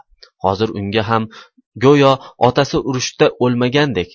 hozir unga ham go'yo otasi urushda o'lmagandek